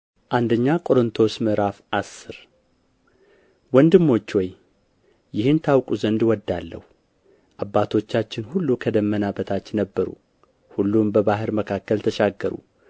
አንደኛ ቆሮንጦስ ምዕራፍ አስር ወንድሞች ሆይ ይህን ታውቁ ዘንድ እወዳለሁ አባቶቻችን ሁሉ ከደመና በታች ነበሩ ሁሉም በባሕር መካከል ተሻገሩ